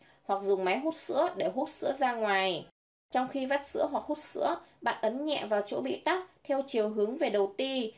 hoặc dùng máy hút sữa để hút sữa ra ngoài trong khi vắt sữa hoặc hút sữa bạn ấn nhẹ vào chỗ bị tắc theo chiều hướng vào đầu ti